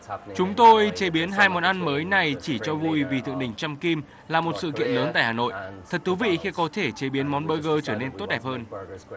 chúng tôi chế biến hai món ăn mới này chỉ cho vui vì thượng đỉnh trăm kim là một sự kiện lớn tại hà nội thật thú vị khi có thể chế biến món bơ gơ trở nên tốt đẹp hơn